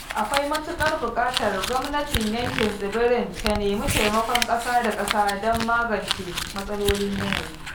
Akwai matuƙar buƙatar gwamnatin yankin tsibirin ta nemi taimakon ƙasa da ƙasa don magance matsalolin yanayi.